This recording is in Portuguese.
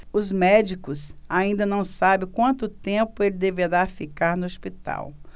os médicos ainda não sabem quanto tempo ele deverá ficar no hospital